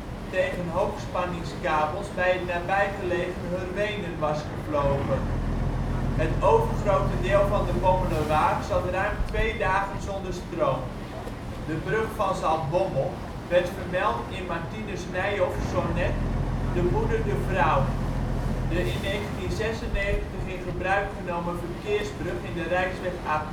tegen hoogspanningskabels bij het nabijgelegen Hurwenen was gevlogen. Het overgrote deel van de Bommelerwaard zat ruim twee dagen zonder stroom. De brug van Zaltbommel werd vermeld in Martinus Nijhoffs sonnet " De moeder de vrouw ". De in 1996 in gebruik genomen verkeersbrug in de Rijksweg A2